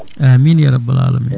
amine ya rabbal alamina